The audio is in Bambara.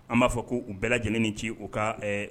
An b'a fɔ ko u bɛɛ lajɛlen ni ci u ka ɛ